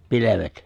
pilvet